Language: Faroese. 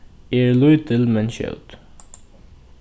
eg eri lítil men skjót